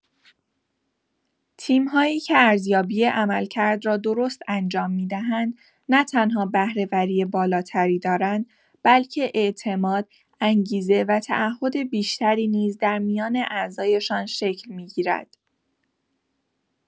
تیم‌هایی که ارزیابی عملکرد را درست انجام می‌دهند، نه‌تنها بهره‌وری بالاتری دارند، بلکه اعتماد، انگیزه و تعهد بیشتری نیز در میان اعضایشان شکل می‌گیرد.